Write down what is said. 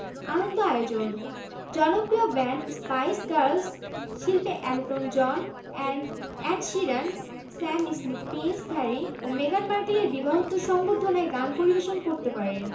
মধুচন্দ্রিমা রাজপরিবারের সদস্য বলে প্রিন্স হ্যারি আর মেগান মার্কেলের বিয়ের অনুষ্ঠান বিশ্বের অনেক দেশ থেকেই সরাসরি দেখা যাবে বিয়ের অনুষ্ঠান পাবলিক হয়ে গেলেও মধুচন্দ্রিমা যথাসম্ভব গোপনেই সারবেন মেগান হ্যারি